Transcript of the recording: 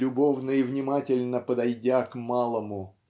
любовно и внимательно подойдя к малому